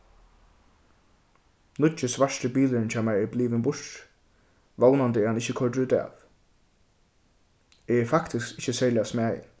nýggi svarti bilurin hjá mær er blivin burtur vónandi er hann ikki koyrdur útav eg eri faktiskt ikki serliga smæðin